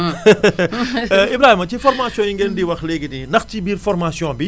Ibrahima ci formations yi ngeen di wax léegi nii ndax ci biir formation bi